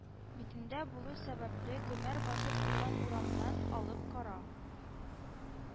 Битендә булу сәбәпле, гомәр басып торган урамнан алып кара